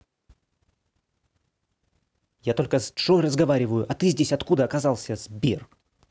я только с джой разговариваю а ты здесь откуда оказался сбер